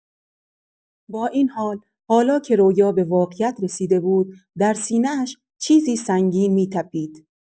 با این حال، حالا که رویا به واقعیت رسیده بود، در سینه‌اش چیزی سنگین می‌تپید.